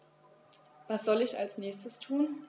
Was soll ich als Nächstes tun?